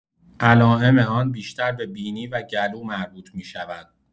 علائم آن بیشتر به بینی و گلو مربوط می‌شود.